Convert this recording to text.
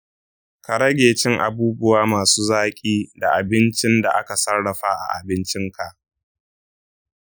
ka rage cin abubuwa masu zaki da abincin da aka sarrafa a abincinka.